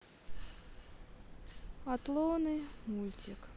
атлоны мультик